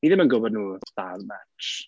Ni ddim yn gwybod nhw that much.